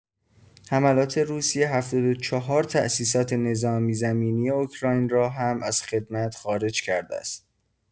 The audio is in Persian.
حملات روسیه ۷۴ تاسیسات نظامی زمینی اوکراین را هم از خدمت خارج کرده است.